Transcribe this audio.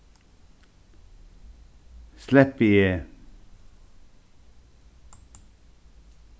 sleppi eg